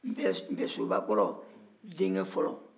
npɛsoba kɔrɔ denkɛ fɔlɔ